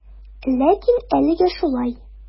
Ләкин әлегә шулай.